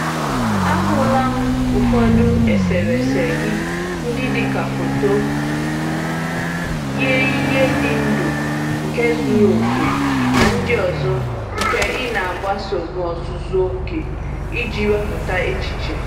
LM: Ahụla m ụfọdụ eserese gị ndị dịka foto, yie ihe dị ndụ, nke zuru oke… na ndị ọzọ nke ị na-agbaso n'ozuzuoke iji wepụta echiche.